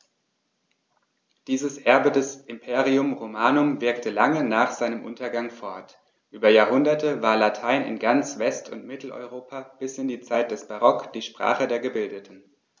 Dieses Erbe des Imperium Romanum wirkte lange nach seinem Untergang fort: Über Jahrhunderte war Latein in ganz West- und Mitteleuropa bis in die Zeit des Barock die Sprache der Gebildeten.